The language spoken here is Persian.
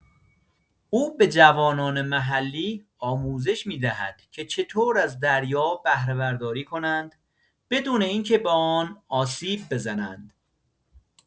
او به جوانان محلی آموزش می‌دهد که چطور از دریا بهره‌برداری کنند بدون اینکه به آن آسیب بزنند.